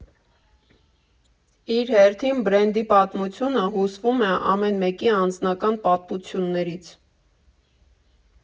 Իր հերթին, բրենդի պատմությունը հյուսվում է ամեն մեկի անձնական պատմություններից։